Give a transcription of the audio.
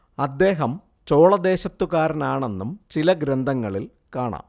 അദ്ദേഹം ചോള ദേശത്തുകാരനാണെന്നും ചില ഗ്രന്ഥങ്ങളിൽ കാണാം